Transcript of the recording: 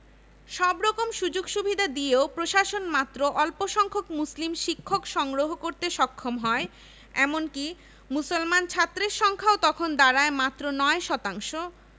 truth shall prevail slogan লেখা একটি monogram ঢাকা বিশ্ববিদ্যালয়ের মনোগ্রাম হিসেবে ব্যবহার করা হতো পরবর্তী সময়ে এ মনোগ্রাম তিনবার পরিবর্তন করা হয়